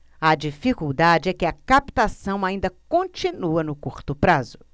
a dificuldade é que a captação ainda continua no curto prazo